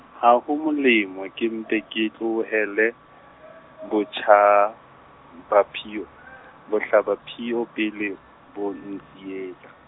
ha ho molemo ke mpe ke tlohele botshabaphio-, bohlabaphio pele bo ntsietsa.